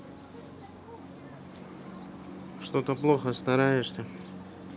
что то плохо стараешься